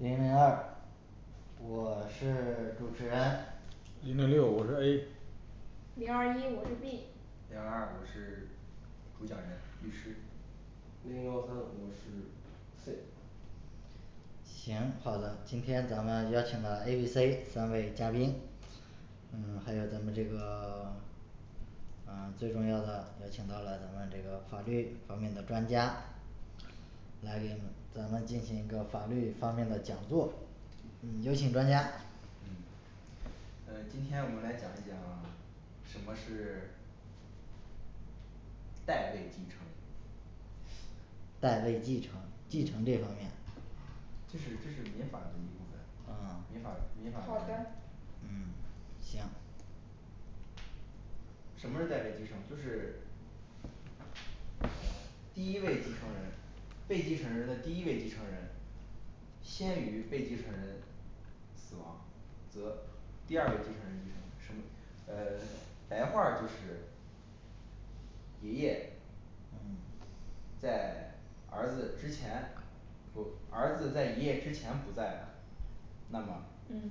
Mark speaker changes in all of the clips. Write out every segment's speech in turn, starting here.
Speaker 1: 零零二我是 主持人
Speaker 2: 零零六我是A
Speaker 3: 零二一我是B
Speaker 4: 零二二我是主讲人律师
Speaker 5: 零幺三我是C
Speaker 1: 行，好的，今天咱们邀请了A B C三位嘉宾嗯还有咱们这个 嗯最重要的邀请到了咱们这个法律方面的专家来给咱们进行一个法律方面的讲座。有请专家
Speaker 5: 嗯
Speaker 4: 呃今天我们来讲一讲 什么是 代位继承
Speaker 1: 代位继承，继承这方面
Speaker 4: 这是这是民法的一部分
Speaker 1: 噢
Speaker 4: 民法民法
Speaker 3: 好的
Speaker 1: 嗯行
Speaker 4: 什么是代位继承？就是第一位继承人，被继承人的第一位继承人先于被继承人死亡，则第二位继承人继承什么呃 白话儿就是爷爷在儿子之前不儿子在爷爷之前不在了那么
Speaker 3: 嗯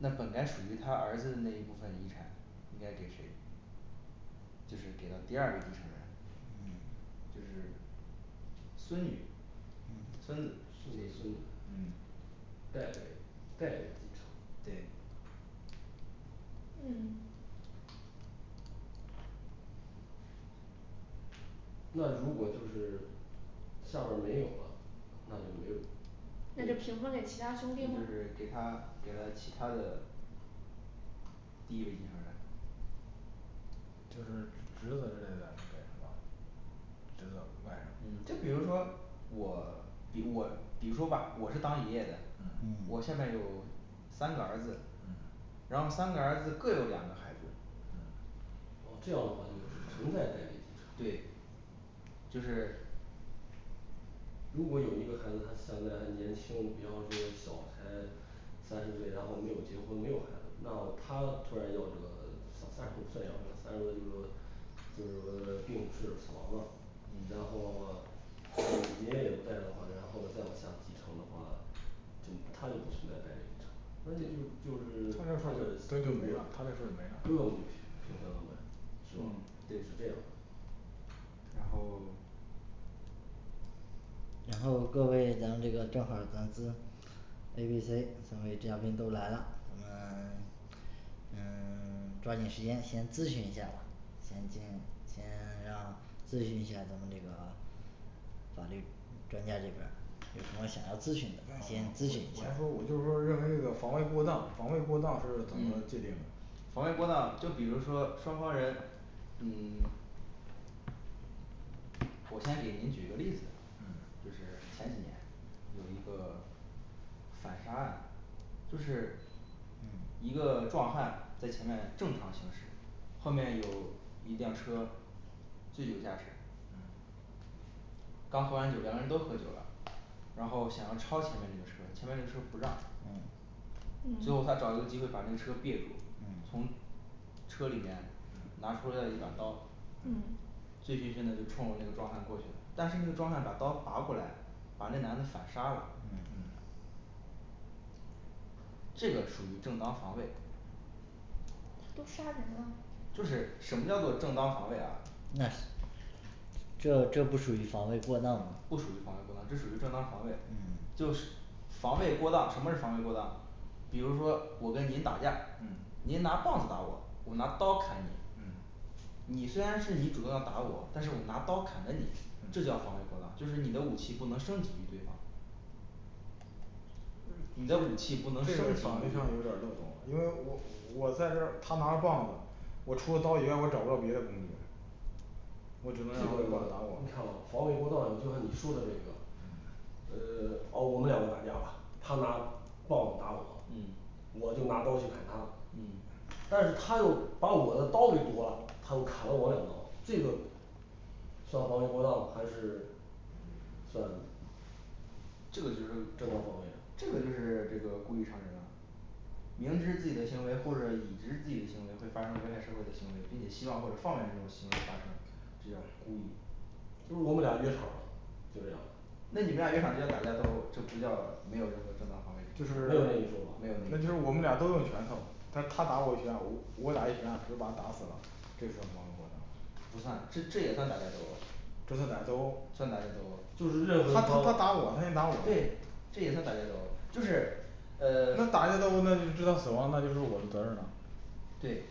Speaker 4: 那本该属于他儿子的那一部分遗产，应该给谁就是给了第二位继承人就是孙女孙子
Speaker 5: 这孙女
Speaker 4: 嗯
Speaker 5: 代位代
Speaker 4: 对
Speaker 5: 位继承
Speaker 3: 嗯
Speaker 5: 那如果就是下边儿没有了，那就没有
Speaker 3: 那
Speaker 4: 对
Speaker 3: 就
Speaker 4: 就
Speaker 3: 平分给其它兄弟吗
Speaker 4: 是给他给他其他的第一位继承人
Speaker 2: 就是侄子之类的那类是吧，侄
Speaker 4: 嗯就
Speaker 2: 子
Speaker 4: 比如
Speaker 2: 外
Speaker 4: 说
Speaker 2: 甥
Speaker 4: 我比我比如说吧我是当爷爷的，我下面有三个儿子然后三个儿子各有两个孩子
Speaker 5: 噢这
Speaker 4: 对
Speaker 5: 样的话就是存在代位继承
Speaker 4: 就是
Speaker 5: 如果有一个孩子他现在还年轻，比方说小才三十岁，然后没有结婚，没有孩子，那他突然要这个，小三十岁再要这个，三十多就是说就是说病逝死亡了，然
Speaker 4: 嗯
Speaker 5: 后的话他爷爷也不在的话，然后了再往下继承的话这么他就不存在代位继承那就就就是他的哥哥哥哥们平平分了呗是吗
Speaker 4: 嗯
Speaker 5: 是
Speaker 4: 对
Speaker 5: 这样的
Speaker 4: 然后
Speaker 1: 然后各位咱这个正好儿咱是A B C三位嘉宾都来了咱们嗯 抓紧时间先咨询一下吧，先请先让咨询一下咱们这个法律专家这边儿有什么想要
Speaker 2: 啊我我
Speaker 1: 咨询的可以先咨询一下
Speaker 2: 先说我就是
Speaker 1: 儿
Speaker 2: 说认为这个防卫过当，防卫过当是怎么
Speaker 4: 嗯
Speaker 2: 界定的
Speaker 4: 防卫过当就比如说双方人嗯 我先给您举个例子吧
Speaker 2: 嗯，
Speaker 4: 就是前几年有一个反杀案，就是一个壮汉在前面正常行驶，后面有一辆车醉酒驾驶刚喝完酒两个人都喝酒了，然后想要超前面这个车，前面这个车不让
Speaker 3: 嗯
Speaker 4: 最后他找了个机会把那个车别住，从车里面拿出了一把刀
Speaker 3: 嗯
Speaker 4: 醉醺醺的就冲着那个壮汉过去了，但是那个壮汉把刀拔过来，把那男的反杀了
Speaker 2: 嗯
Speaker 4: 这个属于正当防卫
Speaker 3: 他都杀人啦
Speaker 4: 就是什么叫做正当防卫啊
Speaker 1: 那是这这不属于防卫过当吗
Speaker 4: 不
Speaker 1: 嗯
Speaker 4: 属于防卫过当，这属于正当防卫就是防卫过当，什么是防卫过当，比如说我跟您打架，您拿棒子打我，我拿刀砍你
Speaker 2: 嗯
Speaker 4: 你虽然是你主动要打我，但是我拿刀砍的你，这叫防卫过当，就是你的武器不能升级于对方你的
Speaker 2: 这
Speaker 4: 武器不能升级于对
Speaker 2: 点法
Speaker 4: 方
Speaker 2: 律上有点儿漏洞因为我我在这儿他拿着棒子我除了刀以外我找不着别的东西
Speaker 5: 这
Speaker 2: 我只
Speaker 5: 个
Speaker 2: 能让打我
Speaker 5: 你看我防卫过当也就是你说的这个，呃 哦我们两个打架吧，他拿棒子打我
Speaker 4: 嗯，
Speaker 5: 我就拿刀去砍他
Speaker 4: 嗯，
Speaker 5: 但是他又把我的刀给夺了，他又砍了我两刀这个算防卫过当还是算，
Speaker 4: 这
Speaker 5: 正
Speaker 4: 个就是这
Speaker 5: 当
Speaker 4: 个
Speaker 5: 防卫啊
Speaker 4: 就是这个故意伤人啦明知自己的行为或者已知自己的行为会发生危害社会的行为，并且希望或者放任这种行为发生，这叫故意
Speaker 5: 就是我们俩约场儿了，就这样的。没
Speaker 4: 那
Speaker 5: 有
Speaker 4: 你们
Speaker 5: 那
Speaker 4: 俩约场这叫打架斗殴，这不叫没有任何正当防卫，
Speaker 2: 就是
Speaker 4: 没有那一说，不
Speaker 2: 那就是
Speaker 5: 一
Speaker 2: 我们俩都
Speaker 5: 说
Speaker 2: 用拳头
Speaker 5: 吗，
Speaker 2: 但是他打我一拳，我 我打一拳就把他打死了，这种算防卫过当吗
Speaker 4: 算这这也算打架斗殴
Speaker 2: 这算打架斗殴，他
Speaker 4: 算打架斗殴，对
Speaker 5: 就是任何一
Speaker 2: 打
Speaker 5: 方
Speaker 2: 我他先打我，
Speaker 4: 这也
Speaker 2: 那
Speaker 4: 算
Speaker 2: 打
Speaker 4: 打架
Speaker 2: 架
Speaker 4: 斗殴，就是呃
Speaker 2: 斗殴那制造死亡那就是我的责任了
Speaker 4: 对。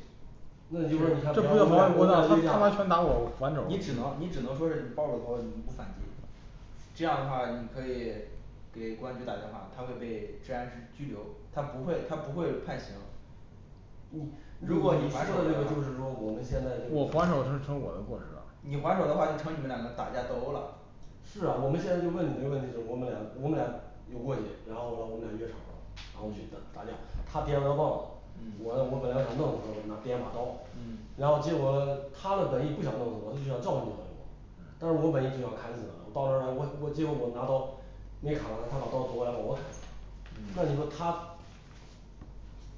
Speaker 4: 你
Speaker 5: 那
Speaker 4: 只
Speaker 5: 就说你看比方我们俩
Speaker 2: 那他
Speaker 5: 我们俩约架
Speaker 2: 他拿拳打我我还手儿
Speaker 4: 能你只能说是你抱住头你不反击这样的话你可以给公安局打电话，他会被治安治拘留，他不会他不会判刑
Speaker 5: 你如果你说的这个就是说我们现在就
Speaker 2: 我
Speaker 5: 说
Speaker 2: 还手儿，他成我的过失了，
Speaker 3: 你还手儿的话就成你们两个打架斗殴了
Speaker 5: 是啊我们现在就问你这个问题，就是我们俩我们俩有过节，然后咯我们俩约场儿了，然后去打打架，他掂了个棒子，我我本来想弄死他我拿掂把刀
Speaker 3: 嗯，
Speaker 5: 然后结果呢他的本意不想弄死我，他就想教训教训我但是我本意就要砍死他，到那儿了我我直接我拿刀，没砍到他他把刀夺过来把我砍死了
Speaker 4: 嗯。
Speaker 5: 那你说他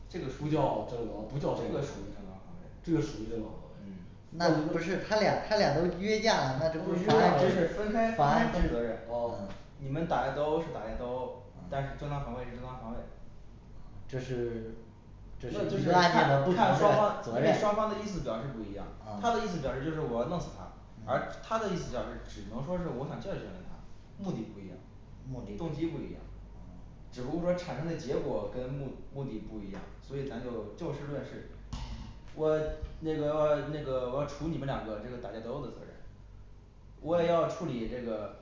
Speaker 4: 这个属
Speaker 5: 不
Speaker 4: 于这个
Speaker 5: 叫
Speaker 4: 属于
Speaker 5: 正当不
Speaker 4: 正
Speaker 5: 叫正当防
Speaker 4: 当防卫
Speaker 5: 卫
Speaker 4: 嗯，，
Speaker 5: 这
Speaker 4: 这是
Speaker 5: 个属于
Speaker 4: 分
Speaker 5: 正当防卫
Speaker 4: 开
Speaker 1: 那
Speaker 4: 分
Speaker 1: 不是他俩他俩都约
Speaker 5: 都约架
Speaker 1: 架
Speaker 5: 了
Speaker 1: 了，那就罚罚
Speaker 4: 开分责任，
Speaker 5: 哦
Speaker 1: 嗯，
Speaker 4: 你们打架斗殴是打架斗殴，但是正当防卫是正当防卫那
Speaker 1: 这是，这
Speaker 4: 就是
Speaker 1: 是
Speaker 4: 看
Speaker 1: 按这个不同的
Speaker 4: 看
Speaker 1: 责
Speaker 4: 双
Speaker 1: 任，
Speaker 4: 方
Speaker 1: 哦
Speaker 4: 因为双方的意思表示不一样，他的意思表示就是我要弄死他，而他的意思叫是只能说是我想教训教训他，目的不一样
Speaker 1: 目，
Speaker 4: 动
Speaker 1: 的
Speaker 4: 机不一样只不过说产生的结果跟目目的不一样，所以咱就就事论事，我那个我 那个我要处你们两个这个打架斗殴的责任我也要处理这个，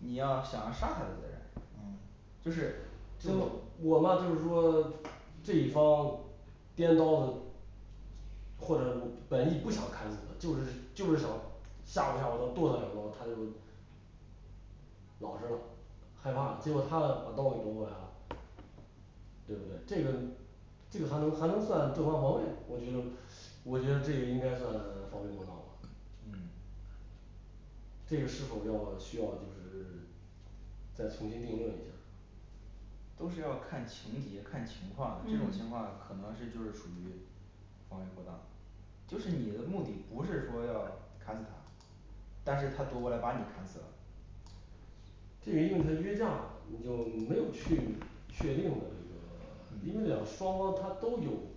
Speaker 4: 你要想要杀他的责任
Speaker 1: 嗯。
Speaker 4: 就是最后
Speaker 5: 我嘛就是说这一方掂刀子或者我本意不想砍死他，就是就是想吓唬吓唬他剁他两刀他就老实了，害怕了结果他把刀给夺过来了对不对？这个这个还能还能算正当防卫，我觉得我觉得这也应该算防卫过当吧
Speaker 2: 嗯
Speaker 5: 这个是否要需要就是再重新定论一下儿
Speaker 4: 都是要看情节看情况的，这种
Speaker 3: 嗯
Speaker 4: 情况可能是就是属于防卫过当，就是你的目的不是说要砍死他，但是他夺过来把你砍死了
Speaker 5: 这个因为他约架你就没有去确定的这个， 因为两双方他都有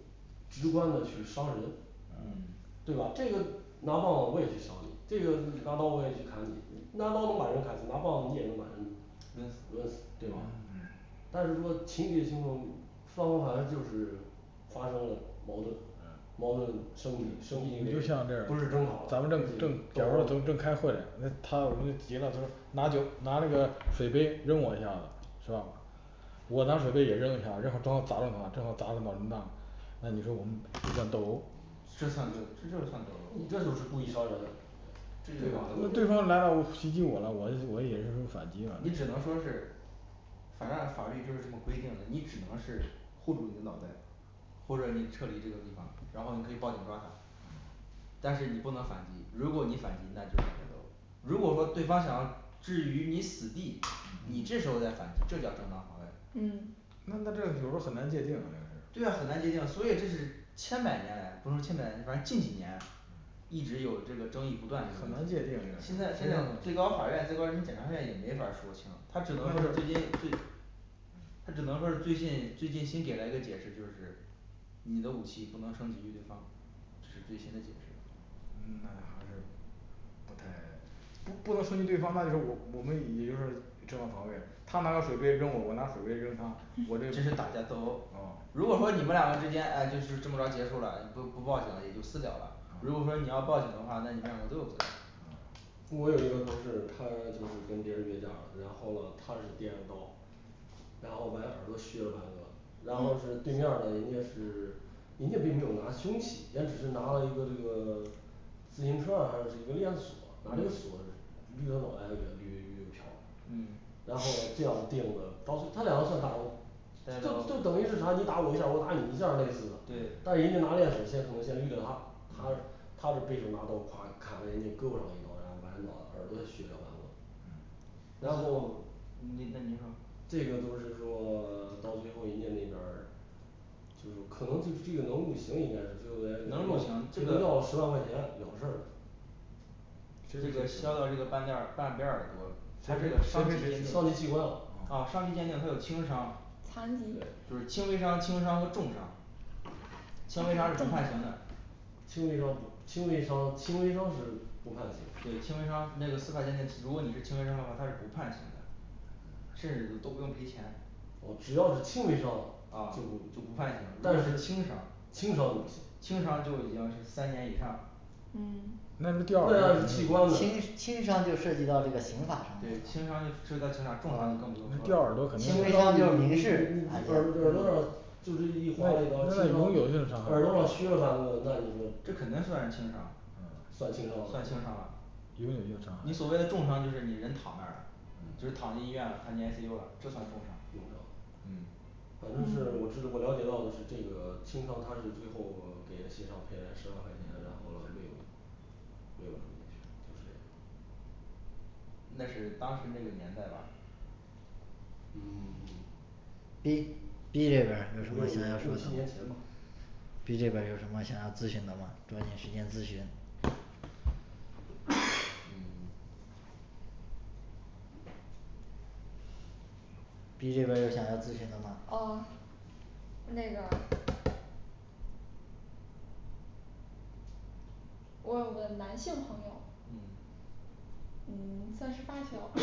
Speaker 5: 直观的去伤人，
Speaker 4: 嗯
Speaker 5: 对吧这个拿棒子我也去敲你这个拿刀我也去砍你，拿刀能把人砍死，拿棒子你也能把人抡
Speaker 4: 抡
Speaker 5: 死
Speaker 4: 死
Speaker 5: 对吧但是说情节情况，双方反正就是发生了矛盾，矛盾升级升级为
Speaker 2: 就
Speaker 5: 不
Speaker 2: 像是
Speaker 5: 是争吵了开
Speaker 2: 咱们这儿
Speaker 5: 始斗
Speaker 2: 正假
Speaker 5: 斗
Speaker 2: 如说咱们正开
Speaker 5: 殴了，
Speaker 2: 会嘞，呃他呃我跟他急了就是拿酒拿了水杯扔我一下子是吧我拿水杯也扔一下，扔正好砸到你吧，正好砸成脑震荡。那你说我们算斗殴，
Speaker 4: 这
Speaker 2: 袭
Speaker 4: 算斗 这就是算斗
Speaker 5: 你这
Speaker 4: 殴，
Speaker 5: 就是故意伤人对吧？
Speaker 2: 击我了，我也我也反击了
Speaker 4: 你只能说是反正法律就是这么规定的，你只能是护住你的脑袋，或者你撤离这个地方，然后你可以报警抓他但是你不能反击，如果你反击那就是打架斗殴如果说对方想至于你死地，你这时候儿再反击，这叫正当防卫
Speaker 3: 嗯
Speaker 2: 那那这样有时候儿很难界定啊这
Speaker 4: 对
Speaker 2: 事
Speaker 4: 呀
Speaker 2: 儿
Speaker 4: 很难界定，所以这是千百年来不说千百年，反正近几年一直有这个争议不断这个问题，现在现在最高法院最高人民检察院也没法儿说清，他只能说是最近最他只能说是最近最近新给了一个解释，就是你的武器不能升级于对方，这是最新的解释。
Speaker 2: 嗯那还是不太不不能升级于对方那就是我我们也就是正当防卫，他拿个水杯扔我我拿个水杯扔他，我这个
Speaker 4: 这是打架斗殴
Speaker 2: 哦
Speaker 4: 如果说你们两个之间哎就是这么着结束了，不不报警也就私了了。如果说你要报警的话，那你们两个都有责任
Speaker 5: 我有一个同事他就是跟别人约架了，然后咯他是掂着刀，然后把人耳朵削了半个，然后是对面儿的人家是 人家并没有拿凶器，也只是拿了一个这个 自行车啊还是是一个链锁拿这个锁捋他脑袋给他捋捋瓢了
Speaker 4: 嗯。
Speaker 5: 然后咯这样定的到是他俩都算
Speaker 4: 打架
Speaker 5: 就就
Speaker 4: 斗殴
Speaker 5: 等于是啥？你打我一下儿，我打你一下儿类似的
Speaker 4: 对，
Speaker 5: 但人家拿链锁先可能先捋的他，他
Speaker 4: 嗯
Speaker 5: 他的背手拿刀咵砍了人家胳膊上一刀，然后完了脑耳朵削掉半个然后
Speaker 4: 您那您说，
Speaker 5: 这个都是说 到最后人家那边儿就是可能就是这个能入刑，应该是最后人家
Speaker 4: 能入刑这个
Speaker 5: 要要了十万块钱了事儿
Speaker 4: 这个削掉这个半垫儿半边儿耳朵，它这个伤级鉴定
Speaker 5: 伤
Speaker 4: 伤
Speaker 5: 及
Speaker 4: 级
Speaker 5: 器
Speaker 4: 鉴
Speaker 5: 官了
Speaker 4: 定它有轻伤
Speaker 3: 残疾。
Speaker 4: 对，就是轻微伤轻伤和重伤轻微伤是不判刑的
Speaker 5: 轻微伤不轻微伤轻微伤是不判刑。
Speaker 4: 对轻微伤那个司法鉴定如果你是轻微伤的话，它是不判刑的甚至都 都不用赔钱，啊
Speaker 5: 哦只要是轻微伤
Speaker 4: 就
Speaker 5: 就不
Speaker 4: 不判，
Speaker 5: 但
Speaker 4: 刑，
Speaker 5: 是，
Speaker 4: 轻
Speaker 5: 轻
Speaker 4: 伤，轻
Speaker 5: 伤都不行
Speaker 4: 伤就已经是三年以上
Speaker 3: 嗯
Speaker 5: 那那要是器官呢，
Speaker 1: 轻
Speaker 5: 轻
Speaker 1: 轻
Speaker 5: 伤
Speaker 1: 伤
Speaker 5: 你
Speaker 1: 就
Speaker 5: 你
Speaker 1: 涉
Speaker 5: 你你
Speaker 1: 及
Speaker 5: 你耳
Speaker 1: 到
Speaker 5: 朵
Speaker 1: 这 个刑法上面
Speaker 4: 对轻
Speaker 1: 了，
Speaker 4: 伤就涉及到刑法，重伤就更不用说
Speaker 2: 掉耳
Speaker 4: 了，
Speaker 2: 朵
Speaker 5: 耳
Speaker 2: 肯定
Speaker 5: 朵让就是一划一刀轻伤，耳朵让削了半个那你
Speaker 4: 这肯定
Speaker 5: 说
Speaker 4: 算是
Speaker 5: 是
Speaker 4: 轻伤
Speaker 5: 算轻伤
Speaker 4: 算轻伤了
Speaker 5: 了
Speaker 4: 你所谓的重伤就是你人躺那儿了，就是躺进医院了躺进I C U了，这算重伤
Speaker 5: 重伤
Speaker 4: 嗯
Speaker 5: 反正是我知道我了解到的是这个 轻伤，它是最后给人协商赔了人家十万块钱，然后咯没有没有住进去，就是这样。
Speaker 4: 那是当时那个年代吧
Speaker 5: 嗯 五五
Speaker 1: B
Speaker 5: 六
Speaker 1: B 这
Speaker 5: 年
Speaker 1: 边儿有什
Speaker 5: 六
Speaker 1: 么
Speaker 5: 七
Speaker 1: 想要说的
Speaker 5: 年前吧
Speaker 1: 吗，，B这边儿有什么想要咨询的吗抓紧时间咨询 B这边儿有想要咨询的吗
Speaker 3: 哦那个我有个男性朋友
Speaker 4: 嗯
Speaker 3: 嗯算是发小吧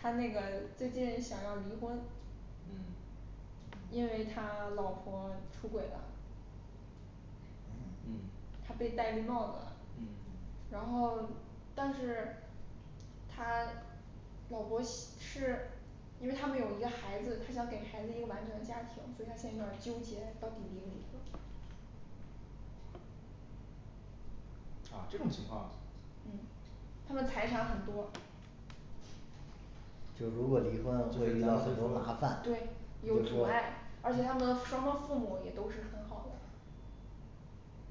Speaker 3: 他那个最近想要离婚
Speaker 4: 嗯
Speaker 3: 因为他老婆出轨了
Speaker 4: 嗯，
Speaker 3: 他被戴绿帽子
Speaker 4: 嗯，
Speaker 3: 然后但是他老婆西 是因为他们有一个孩子，他想给孩子一个完整的家庭，所以他现在有点儿纠结到底离不离婚
Speaker 4: 啊这种情况
Speaker 3: 嗯他们财产很多
Speaker 1: 就如果离婚
Speaker 4: 就
Speaker 1: 会
Speaker 4: 是
Speaker 1: 遇
Speaker 4: 咱
Speaker 1: 到
Speaker 4: 们就
Speaker 1: 很
Speaker 4: 说
Speaker 1: 多麻烦
Speaker 3: 对，，
Speaker 1: 就
Speaker 3: 有
Speaker 1: 是
Speaker 3: 阻
Speaker 1: 说
Speaker 3: 碍，而且他们双方父母也都是很好的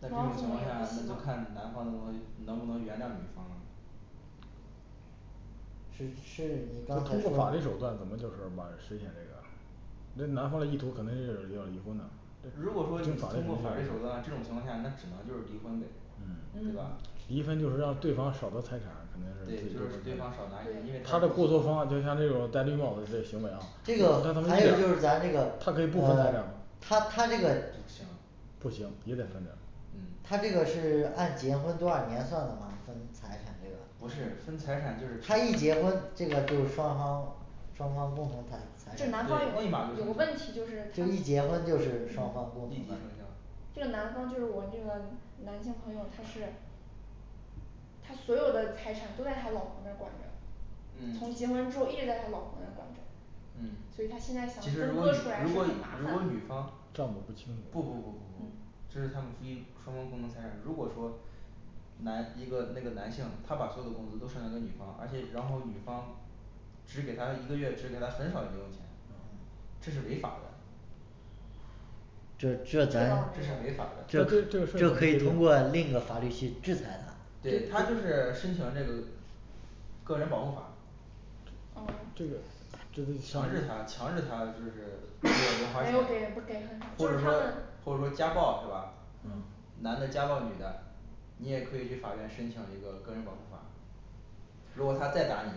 Speaker 4: 在这种情况下儿那就看男方能不能能不能原谅女方了
Speaker 1: 是是你刚才
Speaker 2: 通
Speaker 1: 说
Speaker 2: 过法律手段怎么就是把实现那个，人男方嘞意图可能是要离婚的
Speaker 4: 如果说你通过法律手段这种情况下那只能就是离婚呗，对吧？对
Speaker 2: 离婚
Speaker 4: 就
Speaker 2: 就是
Speaker 4: 是
Speaker 2: 让对
Speaker 4: 对方
Speaker 2: 方少
Speaker 4: 少拿
Speaker 2: 得财产肯定是
Speaker 4: 一点儿，因为，
Speaker 2: 他
Speaker 4: 她
Speaker 2: 的过错方啊就像这种带绿帽子这个行为啊，
Speaker 1: 这个还有就是咱这个
Speaker 2: 她可以不分财产
Speaker 1: 嗯
Speaker 2: 吗
Speaker 1: 她她这个
Speaker 4: 不行
Speaker 2: 不行也得分点儿
Speaker 1: 她这个是按结婚多少年算的吗分财
Speaker 4: 不是分财
Speaker 1: 产
Speaker 4: 产
Speaker 1: 这
Speaker 4: 就是
Speaker 1: 个，她一结婚这个就是双方双方共同财
Speaker 4: 对立马就生效，立即生
Speaker 1: 财
Speaker 3: 这
Speaker 1: 产，
Speaker 3: 男方有个有个问题就是
Speaker 1: 就一结婚就是双方共同嘞
Speaker 4: 效
Speaker 3: 这个男方就是我这个男性朋友他是他所有的财产都在他老婆那儿管
Speaker 4: 嗯
Speaker 3: 着，从结婚之后一直在他老婆那儿管着
Speaker 4: 嗯
Speaker 3: 所以他现在想
Speaker 4: 其实
Speaker 3: 分
Speaker 4: 如果
Speaker 3: 割
Speaker 4: 女
Speaker 3: 出来是
Speaker 4: 如果
Speaker 3: 很麻
Speaker 4: 如果
Speaker 3: 烦
Speaker 4: 女方
Speaker 3: 的
Speaker 2: 账
Speaker 4: 不不不
Speaker 2: 目不清
Speaker 4: 不不这是他们夫妻双方共同财产，如果说 男一个那个男性他把所有的工资都上交给女方，而且然后女方只给他一个月，只给他很少的零用钱，这是违法的
Speaker 1: 这
Speaker 4: 这是
Speaker 1: 这咱
Speaker 4: 违法的
Speaker 1: 这这可以通过另一个法律去制裁她，
Speaker 4: 对，他就是申请这个个人保护法
Speaker 2: 这个这得
Speaker 4: 强
Speaker 2: 强制
Speaker 4: 制他强制他就是给我零花
Speaker 3: 没有
Speaker 4: 钱
Speaker 3: 给不给他
Speaker 4: 或
Speaker 3: 就
Speaker 4: 者
Speaker 3: 是
Speaker 4: 说
Speaker 3: 他们
Speaker 4: 或者说家暴是吧
Speaker 3: 嗯？
Speaker 4: 男的家暴女的，你也可以去法院申请一个个人保护法如果他再打你，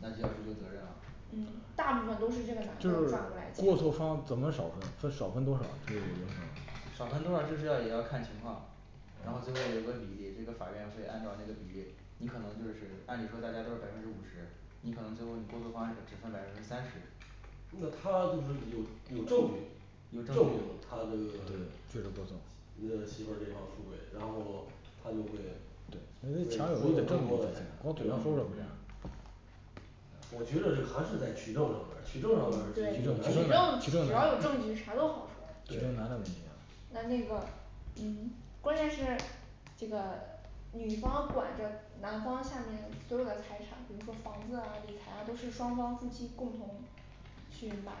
Speaker 4: 那就要追究责任了
Speaker 3: 嗯，。
Speaker 4: 少
Speaker 3: 大
Speaker 4: 分
Speaker 3: 部分都是这个男
Speaker 2: 就
Speaker 3: 的
Speaker 2: 是
Speaker 3: 赚过来钱
Speaker 2: 过错方怎么少分他少分多少，
Speaker 4: 多少就是要也要看情况然后最后有个比例，这个法院会按照那个比例，你可能就是按理说大家都是百分之五十，你可能最后你过错方只分百分之三十
Speaker 5: 那他就是有有证据
Speaker 4: 有，证
Speaker 5: 证据
Speaker 4: 据
Speaker 5: 他就，呃媳妇儿这方出轨然后他就会获得更多的财产对吧
Speaker 4: 嗯
Speaker 5: 我觉得这个还是在取证上面儿，取证上面儿，
Speaker 3: 对取
Speaker 5: 取证上面儿是一
Speaker 3: 证只
Speaker 5: 个
Speaker 3: 要有
Speaker 5: 男
Speaker 3: 证
Speaker 5: 女
Speaker 3: 据啥都好说。那那
Speaker 5: 对
Speaker 3: 个嗯关键是这个女方管着男方下面所有的财产，比如说房子啊理财啊都是双方夫妻共同去买